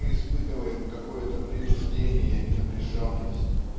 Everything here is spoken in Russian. мы испытываем какое-то принуждение и напряженность